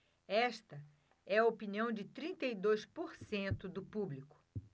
esta é a opinião de trinta e dois por cento do público